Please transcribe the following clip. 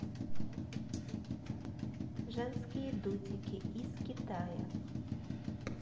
женские дутики из китая